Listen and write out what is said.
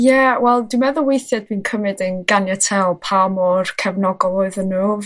Ie, wel dwi meddwl weithie dwi'n cymryd e'n ganiataol pa mor cefnogol oedden nhw.